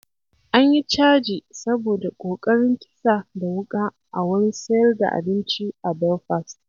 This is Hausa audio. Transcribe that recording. An yi caji saboda ƙoƙarin kisa da wuƙa a wurin sayar da abinci a Belfast